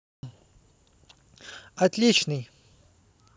отличный